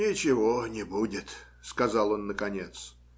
- Ничего не будет, - сказал он наконец.